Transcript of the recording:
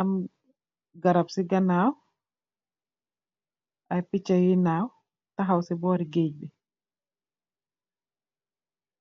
am garab ci ganaw ay pichi yoi naw taxaw si bori geeg bi.